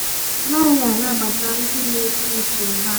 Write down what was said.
Ọ naghị anabata ndị na ekwu uche ha